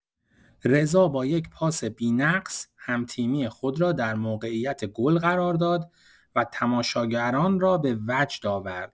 رضا با یک پاس بی‌نقص، هم‌تیمی خود را در موقعیت گل قرار داد و تماشاگران را به وجد آورد.